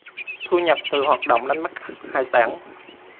thu nhập từ hoạt động đánh bắt hải sản